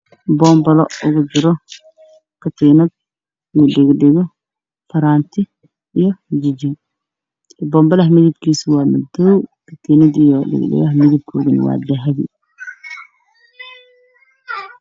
Boombalo ugu jiro katiinad iyo dhago dhago faraanti jin jin jin boombalaha midabkiisa waa madow faraantigadhagahana waa dahabi.